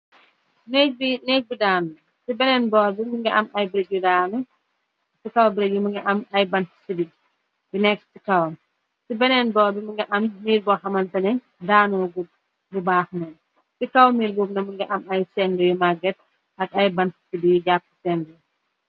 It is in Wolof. Nehgg bii nehgg bu daanu la, cii benen bohrr bii mungy am aiiy brick yu daanu, cii kaww brick bii mungy am aiiy bantue sibi yu nekue cii kawam, cii benen bohrr bii mungy am mirr bor hamanteh neh daanoh ngut bubakh nonu, cii kaww mirr bobu nonu mungy am aiiy sehngue yu maget ak aiiy bantue sibi yu japue sehngue bii.